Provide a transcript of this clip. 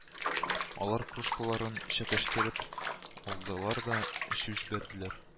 Алар кружкаларын чәкәштереп алдылар да эчеп җибәрделәр